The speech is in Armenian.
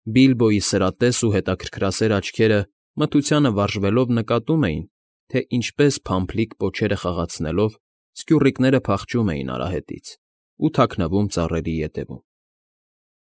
Բիլբոյի սրատես ու հետարքրքասեր աչքերը մթությանը վարժվելով նկատում էին, թե ինչպես, փամփլիկ պոչերը խաղացնելով, սկյուռիկները փախչում էին արահետից ու թաքնվում ծառերի ետևում։